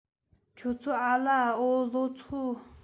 ཁྱོད ཚོ འ ལ ལོ ཆི མོ ཟིག ཡོད